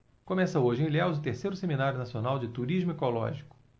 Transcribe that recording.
começa hoje em ilhéus o terceiro seminário nacional de turismo ecológico